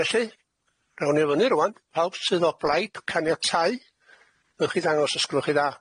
Felly, nawn ni o fyny rŵan. Pawb sydd o blaid caniatáu, newch chi ddangos os gwelwch chi dda.